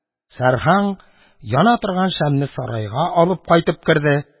Сәрһаң яна торган шәмне сарайга алып кайтып керде.